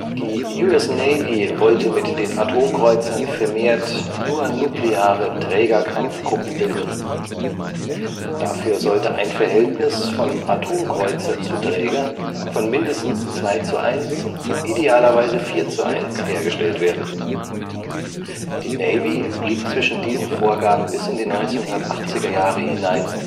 Die US Navy wollte mit den Atomkreuzern vermehrt nur-nukleare Trägerkampfgruppen bilden. Dafür sollte ein Verhältnis Atomkreuzer: Träger von mindestens 2:1, idealerweise 4:1, hergestellt werden. Die Navy blieb zwischen diesen Vorgaben bis in die 1980er hinein